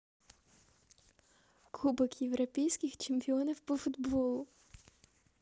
кубок европейских чемпионов по футболу